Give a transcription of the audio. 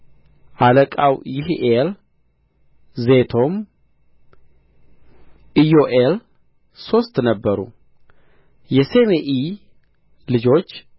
አለቃው ይሒኤል ዜቶም ኢዮኤል ሦስት ነበሩ የሰሜኢ ልጆች